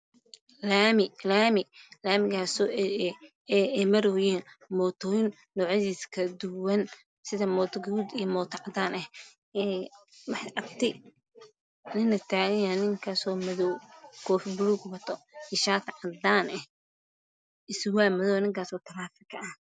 Waa laami ay maraayo mootooyin kale duwan sida gaduud iyo cadaan. Waxaa taagan nin koofi buluug ah wato iyo shaati cadaan ah iyo surwaal madow ah waana nin taraafiko ah.